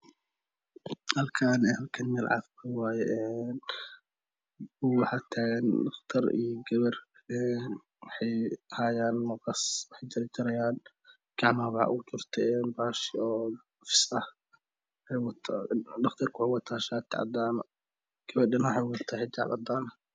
Halkan meel cafimad waye waxa taagan dhakhtar iyo gabar waxay hayan maqas waxay jarjaryan dhaqtarku wuxu wata shaati cadana ah gabadhana waxy wadata xijaab cadan ah